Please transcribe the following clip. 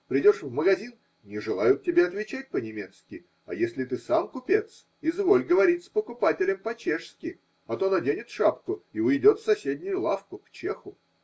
придешь в магазин – не желают тебе отвечать по немецки, а если ты сам купец – изволь говорить с покупателем по-чешски, а то наденет шапку и уйдет в соседнюю лавку – к чеху.